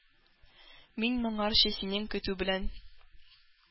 Мин моңарчы синең көтү белән